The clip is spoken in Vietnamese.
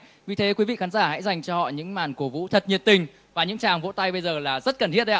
vì thế quý vị khán giả hãy dành cho họ những màn cổ vũ thật nhiệt tình và những tràng vỗ tay bây giờ là rất cần thiết đấy ạ